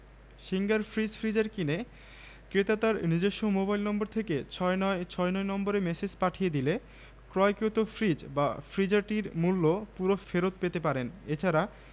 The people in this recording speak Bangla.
সাক্ষাতের সময়ঃসকাল ৮টা থেকে ১০টা - বিকাল ৫টা থেকে ১০টা